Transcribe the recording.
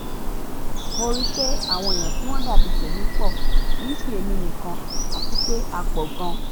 Mo ríi pé àwọn èèyàn tí wọ́n dà bíi tèmi pọ̀, kìí ṣe èmi nìkan àti pé a pọ̀ gan!